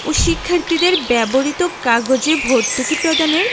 ও শিক্ষার্থীদের ব্যবহৃত কাগজে ভর্তুকি প্রদানের